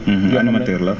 animateur la